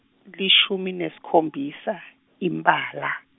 lishumi nesikhombisa, iMphala.